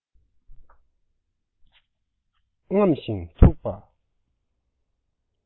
རྔམས ཤིང མཐུག པ